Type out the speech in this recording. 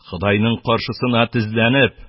Ходайның каршысына тезләнеп,